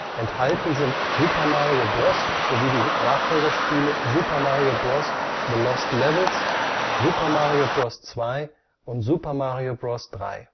Enthalten sind Super Mario Bros. sowie die Nachfolgerspiele Super Mario Bros.: The Lost Levels, Super Mario Bros. 2 und Super Mario Bros. 3.